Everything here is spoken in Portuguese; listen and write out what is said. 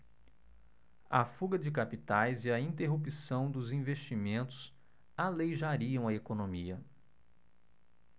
a fuga de capitais e a interrupção dos investimentos aleijariam a economia